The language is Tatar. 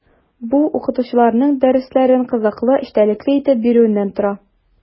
Бу – укытучыларның дәресләрен кызыклы, эчтәлекле итеп бирүеннән тора.